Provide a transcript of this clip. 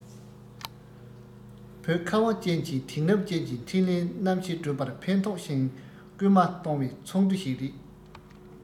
བོད ཁ བ ཅན གྱིས དེང རབས ཅན གྱི འཕྲིན ལས རྣམ བཞི བསྒྲུབ པར ཕན ཐོགས ཤིང སྐུལ མ གཏོང བའི ཚོགས འདུ ཞིག རེད